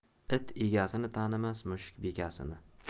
it egasini tanimas mushuk bekasini